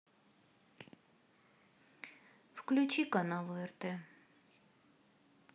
включи канал орт